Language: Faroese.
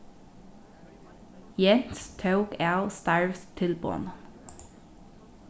jens tók av starvstilboðnum